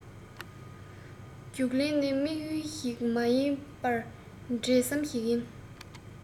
རྒྱུགས ལེན ནི དམིགས ཡུལ ཞིག མ ཡིན པར འབྲེལ ཟམ ཞིག ཡིན